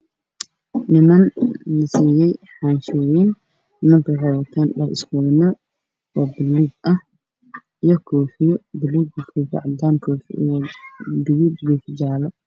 Waa niman wataan dhar buluug ah oo koofiyo qabaan nin wata dhar madow ayaa u qaybinaayo warqado